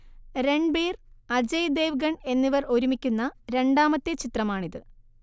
രൺബീർ അജയ് ദേവ്ഗൺ എന്നിവർ ഒരുമിക്കുന്ന രണ്ടാമത്തെ ചിത്രമാണിത്